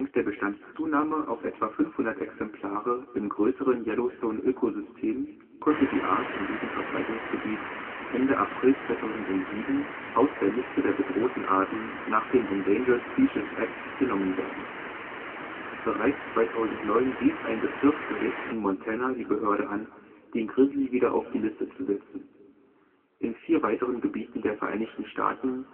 der Bestandszunahme auf etwa 500 Exemplare im Größeren Yellowstone-Ökosystem konnte die Art in diesem Verbreitungsgebiet Ende April 2007 aus der Liste der bedrohten Arten nach dem Endangered Species Act genommen werden. Bereits 2009 wies ein Bezirksgericht in Montana die Behörde an, den Grizzly wieder auf die Liste zu setzen. In vier weiteren Gebieten der Vereinigten Staaten